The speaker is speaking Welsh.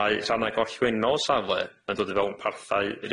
Mae rhanna gorllwennol safle yn dod o fewn parthau